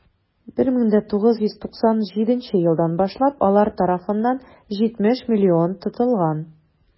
1997 елдан башлап алар тарафыннан 70 млн тотылган.